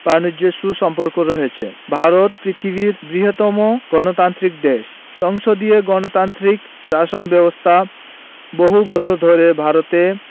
বানিজ্যে সু সম্পর্ক রয়েছে ভারত পৃথিবীর বৃহত্তম গণতান্ত্রিক দেশ সংসদীয় গণতান্ত্রিক শাসন ব্যাবস্থা বহু বছর ধরে ভারতে